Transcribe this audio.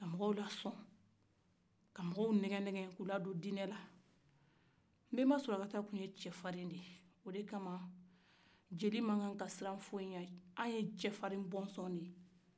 ka mɔgɔw la sɔn ka mɔgɔw nɛgɛ nɛgɛ k'u la don dinɛ la nbenba sulakata kun ye cɛ farin de ye o de kama jeli mankan ka siran foyi ɲɛ an ye cɛ farin bɔnaw ye